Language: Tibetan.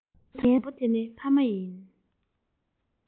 དགེ རྒན དང པོ དེ ནི ཕ མ ཡིན